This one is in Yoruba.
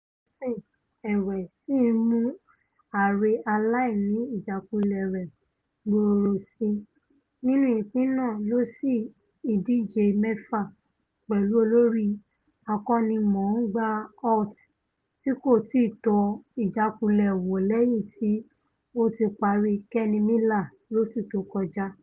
Livingston, ẹ̀wẹ̀, sì ń mú aré aílàní-ìjákulẹ̀ rẹ gbòòrò síi nínú ìpín náà lọsí ìdíje mẹ́fà, pẹ̀lú olórí akọ́nimọ̀-ọ́n-gbá Holt tí kò tíì tọ́ ìjákulẹ̀ wo lẹ́yìn tí ó ti pààrọ̀ Kenny Miller lóṣu tó kọjá.